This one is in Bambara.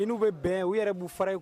Ɲin n'u bɛ bɛn u yɛrɛ b'u fara